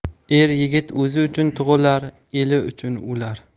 er yigit o'zi uchun tug'ilar eli uchun o'lar